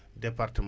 agriculture